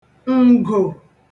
ǹgò